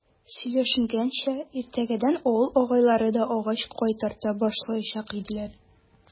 Сөйләшенгәнчә, иртәгәдән авыл агайлары да агач кайтарта башлаячак иделәр.